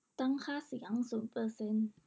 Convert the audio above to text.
ตั้งค่าเสียงศูนย์เปอร์เซนต์